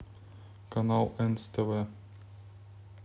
канал энс тв